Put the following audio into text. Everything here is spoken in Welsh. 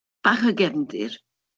Bach o gefndir.